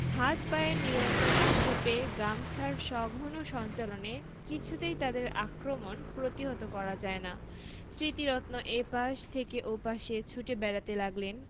হাত পায়ের নিরন্তর আক্ষেপে গামছার সঘন সঞ্চালনে কিছুতেই তাদের আক্রমণ প্রতিহত করা যায় না স্মৃতিরত্ন এ পাশ থেকে ও পাশে ছুটে বেড়াতে লাগলেন